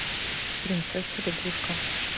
принцесса лягушка